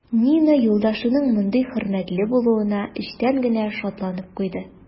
Нина юлдашының мондый хөрмәтле булуына эчтән генә шатланып куйды.